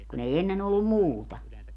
kun ei ennen ollut muuta